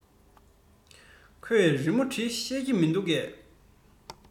ཁོས རི མོ འབྲི ཤེས ཀྱི མིན འདུག གས